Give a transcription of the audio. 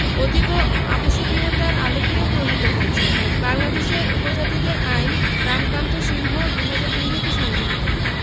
অতীব অত্যাবশ্যকীয়তার আলোকে প্রণীত হয়েছে বাংলাদেশের উপজাতিদের আইন রামকান্ত সিংহ ২০০৩ হতে সংগৃহীত